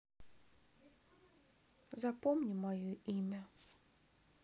запомни мое имя